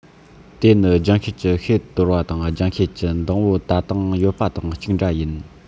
དེ ནི རྒྱང ཤེལ གྱི ཤེལ དོར བ དང རྒྱང ཤེལ གྱི གདང བུ ད དུང ཡོད པ དང གཅིག འདྲ ཡིན